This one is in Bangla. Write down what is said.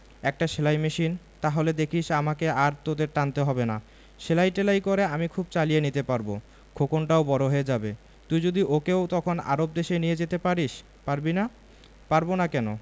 একটা সেলাই মেশিন তাহলে দেখিস আমাকে আর তোদের টানতে হবে না সেলাই টেলাই করে আমি খুব চালিয়ে নিতে পারব খোকনটাও বড় হয়ে যাবে তুই যদি ওকেও তখন আরব দেশে নিয়ে যেতে পারিস পারবি না পারব না কেন